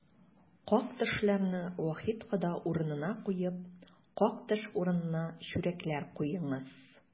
Как-төшләрне Вахит кода урынына куеп, как-төш урынына чүрәкләр куеңыз!